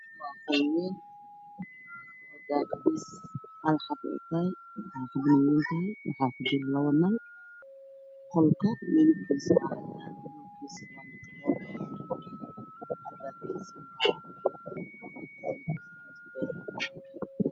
Waa qol leer ayaa ka daaran daaqadda waa iftiin yada waa cadaan dhulku waa mataleel madow cadaan isku jira